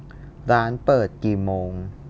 ร้านเปิดกี่โมง